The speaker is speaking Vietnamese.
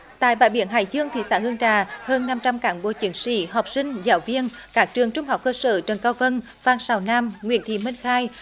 tại bãi biển hải dương thị xã hương trà hơn năm trăm cán bộ chiến sĩ học sinh giáo viên các trường trung học cơ sở trần cao vân phan sào nam nguyễn thị minh khai